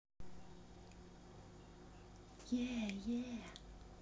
yeah yeah